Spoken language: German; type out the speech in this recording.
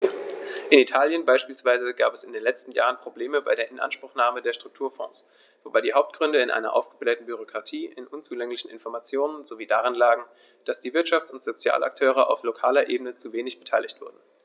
In Italien beispielsweise gab es in den letzten Jahren Probleme bei der Inanspruchnahme der Strukturfonds, wobei die Hauptgründe in einer aufgeblähten Bürokratie, in unzulänglichen Informationen sowie darin lagen, dass die Wirtschafts- und Sozialakteure auf lokaler Ebene zu wenig beteiligt wurden.